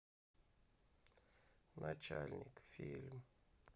начальник фильм